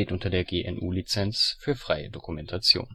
unter der GNU Lizenz für freie Dokumentation